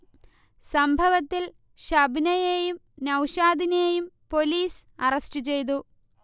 സംഭവത്തിൽ ഷബ്നയേയും നൗഷാദിനേയും പൊലീസ് അറസ്റ്റ് ചെയ്തു